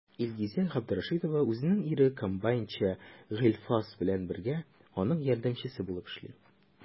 Илгизә Габдрәшитова үзенең ире комбайнчы Гыйльфас белән бергә, аның ярдәмчесе булып эшли.